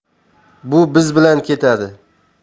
bu biz bilan ketadi